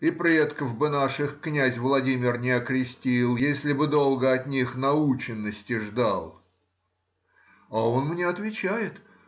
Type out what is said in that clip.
и предков бы наших князь Владимир не окрестил, если бы долго от них научености ждал. А он мне отвечает